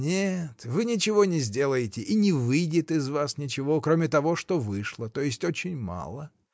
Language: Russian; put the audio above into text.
Нет, вы ничего не сделаете, и не выйдет из вас ничего, кроме того, что вышло, то есть очень мало.